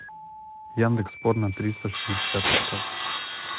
яндекс порно триста шестьдесят искать